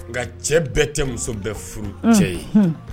Nka cɛ bɛɛ tɛ muso bɛɛ furu cɛ ye